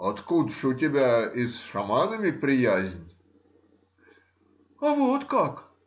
— Откуда же у тебя и с шаманами приязнь? — А вот как